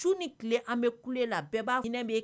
Su ni tile an bɛ kulen la bɛɛ b'a